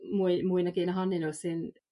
mwy mwy nag un ohonyn nw sy'n